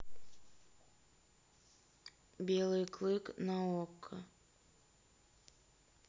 белый клык на окко